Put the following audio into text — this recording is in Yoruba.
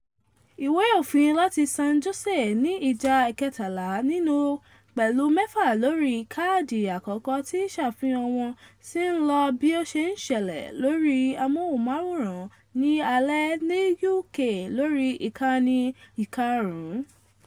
Ìwé òfin láti San Jose ní ìja 13 nínú, pẹ̀lú mẹ́fà lórí i káàdi àkọ́kọ́ tí ìṣàfihàn wọ́n sì ńlọ́ bí ó ṣe ń ṣẹ̀lẹ̀ lórí àmóhùmáwòrán ní alẹ̀ ní UK lórí Ìkannì 5.